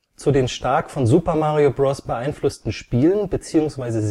Zu den stark von Super Mario Bros. beeinflussten Spielen beziehungsweise